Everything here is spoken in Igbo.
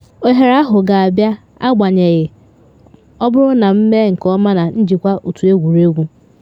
Ohere ahụ ga-abịa, agbanyeghị, ọ bụrụ na m mee nke ọma na njikwa otu egwuregwu.”